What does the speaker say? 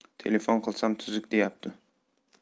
telefon qilsam tuzuk deyapti